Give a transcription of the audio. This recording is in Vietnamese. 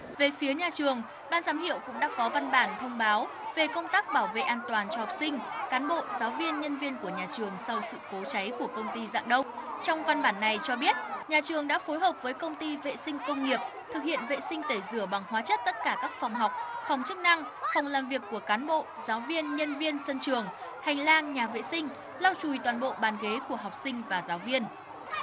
về phía nhà trường ban giám hiệu cũng đã có văn bản thông báo về công tác bảo vệ an toàn cho học sinh cán bộ giáo viên nhân viên của nhà trường sau sự cố cháy của công ty rạng đông trong văn bản này cho biết nhà trường đã phối hợp với công ty vệ sinh công nghiệp thực hiện vệ sinh tẩy rửa bằng hóa chất tất cả các phòng học phòng chức năng phòng làm việc của cán bộ giáo viên nhân viên sân trường hành lang nhà vệ sinh lau chùi toàn bộ bàn ghế của học sinh và giáo viên